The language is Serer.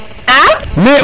a